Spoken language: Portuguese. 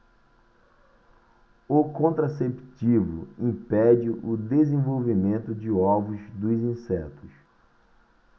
o contraceptivo impede o desenvolvimento de ovos dos insetos